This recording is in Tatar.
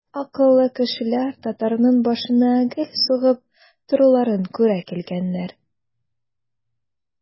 Акыллы кешеләр татарның башына гел сугып торуларын күрә килгәннәр.